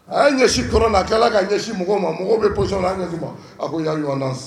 A y'a ɲɛ sin kɔrɔn na a tila la k'a ɲɛsin mɔgɔw ma mɔgɔw bɛ position min na a y'a ɲɛ sin u ma a ko ya ayuha nas